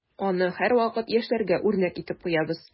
Аны һәрвакыт яшьләргә үрнәк итеп куябыз.